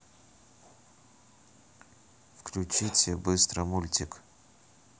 включите быстро мультик